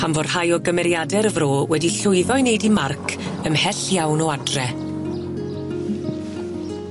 pan fo rhai o gymeriade'r fro wedi llwyddo i neud 'u marc ymhell iawn o adre.